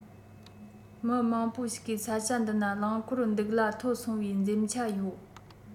མི མང པོ ཞིག གིས ས ཆ འདི ན རླངས འཁོར འདུག གླ མཐོ སོང བའི འཛེམ ཆ ཡོད